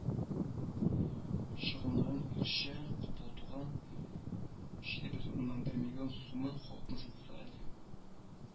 Чыгымнарын өлешчә каплатуга, җиде бөтен уннан бер миллион сумы халыкны социаль